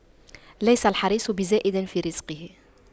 ليس الحريص بزائد في رزقه